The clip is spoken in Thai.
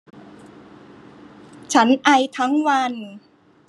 ฉันไอทั้งวัน